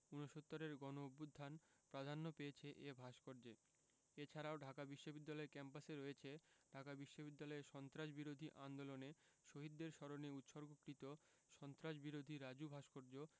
উনসত্তুরের গণঅভ্যুত্থান প্রাধান্য পেয়েছে এ ভাস্কর্যে এ ছাড়াও ঢাকা বিশ্ববিদ্যালয় ক্যাম্পাসে রয়েছে ঢাকা বিশ্ববিদ্যালয়ে সন্ত্রাসবিরোধী আন্দোলনে শহীদদের স্মরণে উৎসর্গকৃত সন্ত্রাসবিরোধী রাজু ভাস্কর্য